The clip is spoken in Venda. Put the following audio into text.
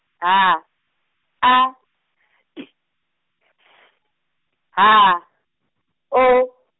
H, A, P, F, H, O.